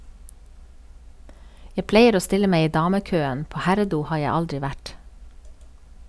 Jeg pleier å stille meg i damekøen, på herredo har jeg aldri vært.